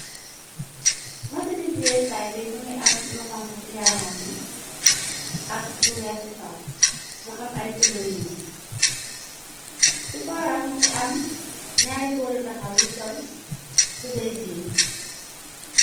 Mëseni jekaay bi më ngi am lu xonk ci yaramon bi ak lu weex ci kaw. Mu am ay punayu ñu ci booram. Më ngi am ñaari góoru taxaw yu sol tubey jee.